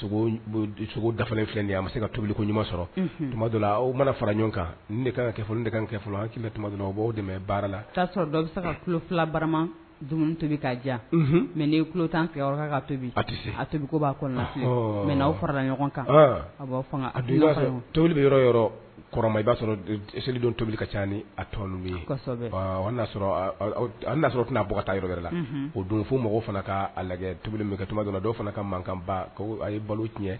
Mana fara ɲɔgɔn kan kan dɛmɛ baara la bara to ka mɛ tan kɔnɔ mɛ'aw fara ɲɔgɔn kan b' tobili bɛ yɔrɔ yɔrɔ kɔrɔ i b'a sɔrɔ selidon tobili ka caani a tɔa sɔrɔ an'a sɔrɔ tɛna bɔ ka taa yɔrɔ la o don fo mɔgɔw fana ka lajɛ tobilila dɔw fana ka mankanba a balo tiɲɛ